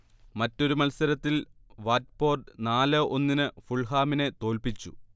മറ്റൊരു മത്സരത്തിൽ വാറ്റ്പോർഡ് നാല് - ഒന്നിന് ഫുൾഹാമിനെ തോൽപ്പിച്ചു